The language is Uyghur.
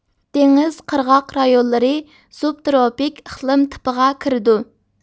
دېڭىز قىرغاق رايونلىرى سۇبتروپىك ئىقلىم تىپىغا كىرىدۇ